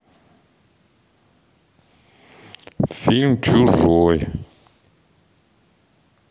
фильм чужой